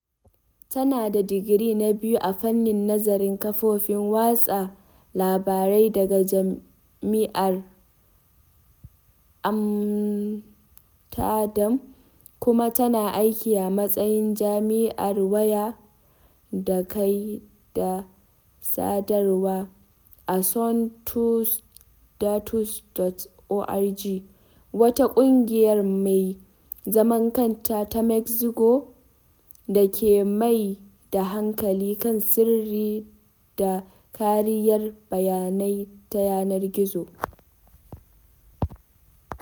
Tana da digiri na biyu a Fannin Nazarin Kafofin Watsa Labarai daga Jami’ar Amsterdam kuma tana aiki a matsayin jami’ar wayar da kai da sadarwa a SonTusDatos.org, wata ƙungiya mai zaman kanta ta Mexico da ke mai da hankali kan sirri da kariyar bayanai ta yanar gizo.